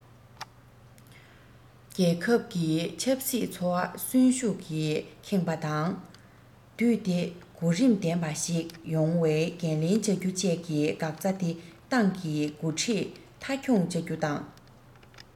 རྒྱལ ཁབ ཀྱི ཆབ སྲིད འཚོ བ གསོན ཤུགས ཀྱིས ཁེངས པ དང དུས བདེ གོ རིམ ལྡན པ ཞིག ཡོང བའི འགན ལེན བྱ རྒྱུ བཅས ཀྱི འགག རྩ དེ ཏང གི འགོ ཁྲིད མཐའ འཁྱོངས བྱ རྒྱུ དང